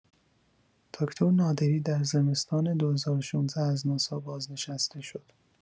دکتر نادری در زمستان ۲۰۱۶ از ناسا بازنشسته شد.